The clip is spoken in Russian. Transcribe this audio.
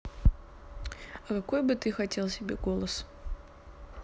а какой бы ты хотел бы себе голос